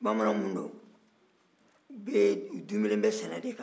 bamanan minnu don o duuminen bɛ sɛnɛ de kan